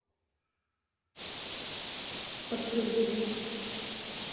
подтвердить